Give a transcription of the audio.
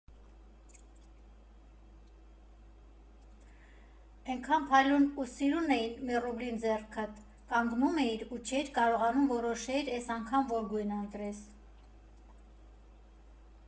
Էնքան փայլուն ու սիրուն էին, մի ռուբլին ձեռքդ կանգնում էիր ու չէիր կարողանում որոշեիր՝ էս անգամ որ գույնը ընտրես։